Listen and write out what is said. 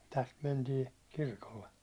tästä mentiin kirkolle